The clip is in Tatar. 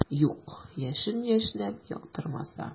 Юк, яшен яшьнәп яктыртмаса.